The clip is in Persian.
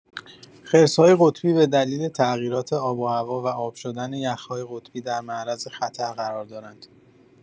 خرس‌های قطبی به دلیل تغییرات آب و هوا و آب شدن یخ‌های قطبی در معرض خطر قرار دارند.